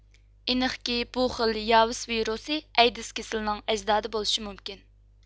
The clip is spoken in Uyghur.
ئېنىقكى بۇ خىل ياۋىس ۋىرۇسى ئەيدىز كېسىلىنىڭ ئەجدادى بولۇشى مۇمكىن